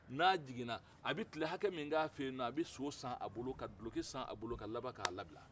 n'a jiginna a bɛ tile hakɛ min k'a fɛ yen a bɛ so san a bolo ka dulɔki san ka laban ka labila